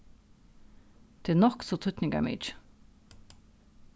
tað er nokk so týdningarmikið